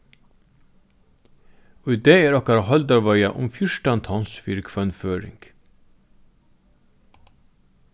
í dag er okkara heildarveiða um fjúrtan tons fyri hvønn føroying